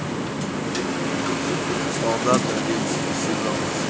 солдаты одиннадцатый сезон